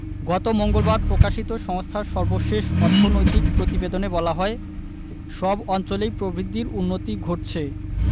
গত মঙ্গলবার প্রকাশিত সংস্থার সর্বশেষ অর্থনৈতিক প্রতিবেদনে বলা হয় সব অঞ্চলেই প্রবৃদ্ধির উন্নতি ঘটছে